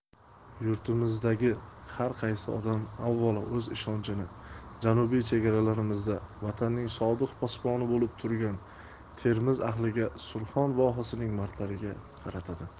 yurtimizdagi har qaysi odam avvalo o'z ishonchini janubiy chegaralarimizda vatanning sodiq posboni bo'lib turgan termiz ahliga surxon vohasining mardlariga qaratadi